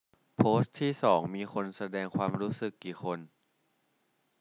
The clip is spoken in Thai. โพสต์ที่สองมีคนแสดงความรู้สึกกี่คน